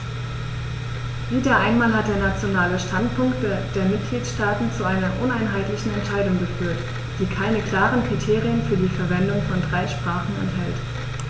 Wieder einmal hat der nationale Standpunkt der Mitgliedsstaaten zu einer uneinheitlichen Entscheidung geführt, die keine klaren Kriterien für die Verwendung von drei Sprachen enthält.